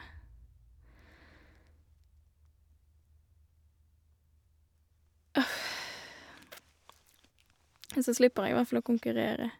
Så slipper jeg i hvert fall å konkurrere.